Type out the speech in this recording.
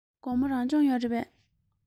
དགོང མོ རང སྦྱོང ཡོད རེད པས